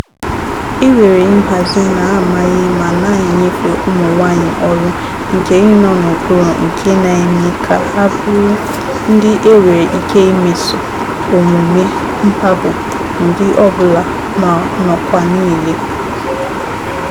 E nwere nhazi na-amanye ma na-enyefe ụmụ nwaanyị ọrụ nke ịnọ n'okpuru nke na-eme ka ha bụrụ ndị e nwere ike imeso omume mkpagbu n'ụdị ọ bụla ma n'ọkwa niile.